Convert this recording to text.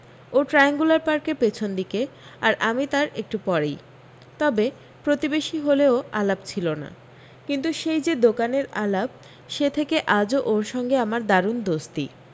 ও triangular পার্কের পিছন দিকে আমি তার একটু পরেই তবে প্রতিবেশী হলেও আলাপ ছিল না কিন্তু সেই যে দোকানের আলাপ সে থেকে আজও ওর সঙ্গে আমার দারুণ দোস্তি